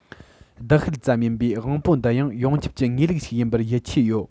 བདག ཤུལ ཙམ ཡིན པའི དབང པོ འདི ཡང ཡོངས ཁྱབ ཀྱི ངེས ལུགས ཤིག ཡིན པར ཡིད ཆེས ཡོད